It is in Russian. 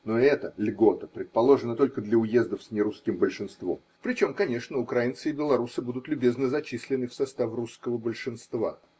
но и эта льгота предположена только для уездов с нерусским большинством, причем, конечно, украинцы и белоруссы будут любезно зачислены в состав русского большинства.